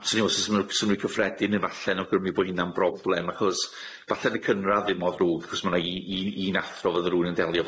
Swn i feddl se synwy- synnwyr cyffredin yn falle'n awgrymu bo' hynna'n broblem achos falle'n y cynradd ddim mor ddrwg achos ma' 'na un- un- un athro fydda rywun yn delio fo,